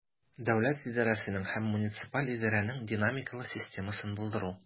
Дәүләт идарәсенең һәм муниципаль идарәнең динамикалы системасын булдыру.